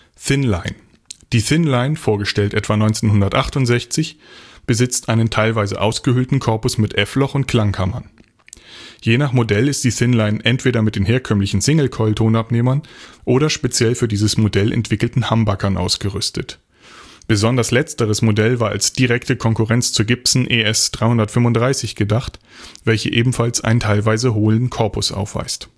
Thinline – Die „ Thinline, “vorgestellt etwa 1968, besitzt einen teilweise ausgehöhlten Korpus mit F-Loch und Klangkammern. Je nach Modell ist die „ Thinline “entweder mit den herkömmlichen Singlecoil-Tonabnehmern oder speziell für dieses Modell entwickelten Humbuckern ausgerüstet. Besonders letzteres Modell war als direkte Konkurrenz zur Gibson ES-335 gedacht, welche ebenfalls einen teilweise hohlen Korpus aufweist